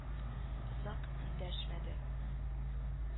Озак эндәшмәде